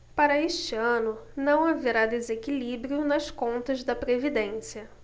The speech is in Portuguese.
para este ano não haverá desequilíbrio nas contas da previdência